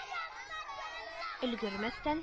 Өлгермәстән